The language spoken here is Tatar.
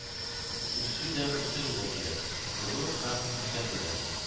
Үсү дә үстерү дә кирәк, күрү һәм күрсәтү дә.